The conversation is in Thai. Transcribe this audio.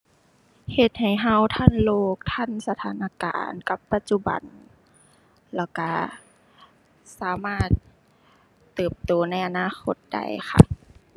เฮ็ดให้เราทันโลก ทันสถานการณ์กับปัจจุบัน แล้วเราสามารถเติบโตในอนาคตได้ค่ะ